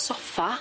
Soffa.